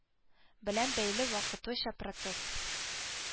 Белән бәйле вакытлыча процесс